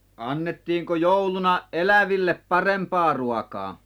annettiinko jouluna eläville parempaa ruokaa